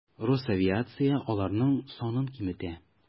Росавиация аларның санын киметә.